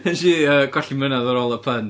Wnes i, yy, golli mynadd ar ôl y pun.